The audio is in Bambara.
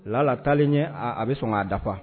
La la taalen ɲɛ a bɛ sɔn k'a dafafa